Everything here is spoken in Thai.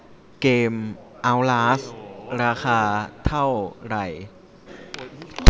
เกมเอ้าลาสราคาเท่าไหร่